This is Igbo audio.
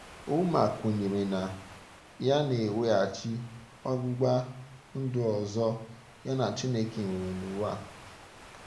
Ouma kwenyere na ya na-eweghachi ọgbụgba ndụ ọzọ ya na Chineke nwere n'ụwa.